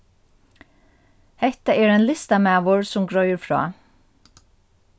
hetta er ein listamaður sum greiður frá